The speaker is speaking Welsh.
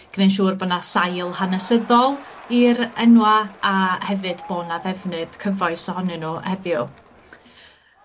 gneu' 'n siŵr bo' 'na sail hanesyddol i'r enwa', a hefyd bo' 'na ddefnydd cyfoes ohonyn nw heddiw.